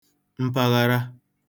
mpaghara